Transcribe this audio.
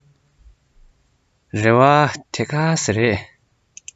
རེ བ ད ག ཟེ རེད